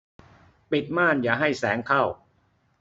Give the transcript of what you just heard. ปิดม่านอย่าให้แสงเข้า